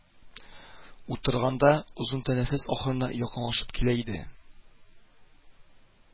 Утырганда, озын тәнәфес ахырына якынлашып килә иде